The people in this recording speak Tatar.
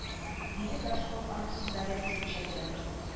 Диде горшков аның сүзләрен үзенчә төзәтеп